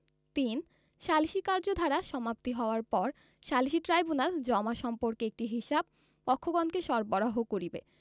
৩ সালিসী কার্যধারা সমাপ্তি হওয়ার পর সালিসী ট্রাইব্যুনাল জমা সম্পর্কে একটি হিসাব পক্ষগণকে সরবরাহ করিবে